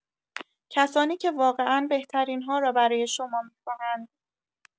کسانی که واقعا بهترین‌ها را برای شما می‌خواهند.